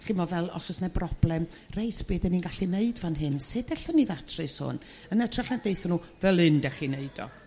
chi 'mo' fel os o's 'ne broblem reit be' 'dan ni'n gallu wneud fan hyn sut allwn ni ddatrys hwn yn 'ytrych na daethon nhw fel 'yn 'dach chi 'neud o.